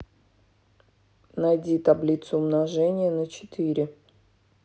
найди таблицу умножения на четыре